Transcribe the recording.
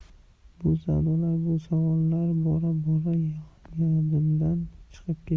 bu savdolar bu savollar bora bora yodimdan chiqib ketdi